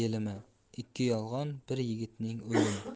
yelimi ikki yolg'on bir yigitning o'limi